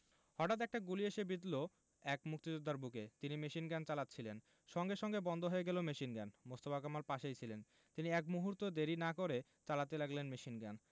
হতাৎ একটা গুলি এসে বিঁধল এক মুক্তিযোদ্ধার বুকে তিনি মেশিনগান চালাচ্ছিলেন সঙ্গে সঙ্গে বন্ধ হয়ে গেল মেশিনগান মোস্তফা কামাল পাশেই ছিলেন তিনি এক মুহূর্তও দেরি না করে চালাতে লাগলেন মেশিনগান